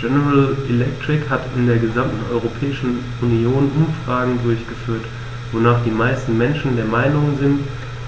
General Electric hat in der gesamten Europäischen Union Umfragen durchgeführt, wonach die meisten Menschen der Meinung sind,